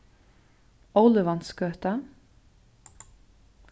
ólivantsgøta